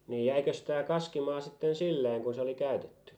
niin jäikös tämä kaskimaa sitten sillä tavalla kun se oli käytetty